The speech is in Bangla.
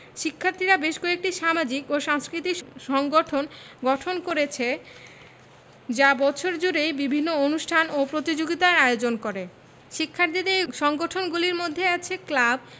শিক্ষার্থীরা বেশ কয়েকটি সামাজিক এবং সাংস্কৃতিক সংগঠন গঠন করেছে যা বছর জুড়েই বিভিন্ন অনুষ্ঠান এবং প্রতিযোগিতার আয়োজন করে শিক্ষার্থীদের এই সংগঠনগুলির মধ্যে আছে ক্লাব